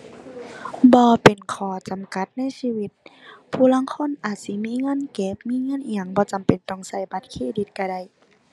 บ่เป็นข้อจำกัดในชีวิต ผู้ลางคนอาจสิมีเงินเก็บมีเงินอิหยัง บ่จำเป็นต้องใช้บัตรเครดิตใช้ได้